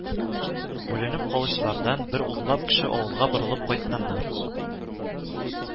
Бүленеп калучылардан бер унлап кеше авылга борылып кайтканнар